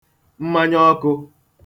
mmanyaọkụ̄